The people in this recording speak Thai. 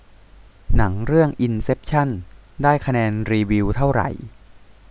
หนังเรื่องอินเซปชั่นได้คะแนนรีวิวเท่าไหร่